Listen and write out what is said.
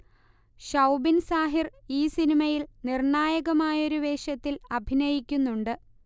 ഷൗബിൻ സാഹിർ ഈ സിനിമയിൽ നിർണായകമായൊരു വേഷത്തിൽ അഭിനയിക്കുന്നുണ്ട്